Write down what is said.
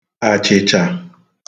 àchị̀chà